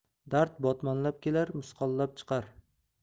dard botmonlab kelar misqollab chiqar